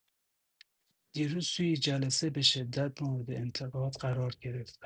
دیروز توی جلسه به‌شدت مورد انتقاد قرار گرفتم.